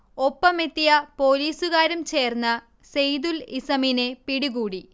ഒപ്പമെത്തിയ പോലീസുകാരും ചേർന്ന് സെയ്തുൽ ഇസമിനെ പിടികൂടി